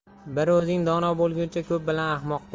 bir o'zing dono bo'lguncha ko'p bilan ahtnoq bo'l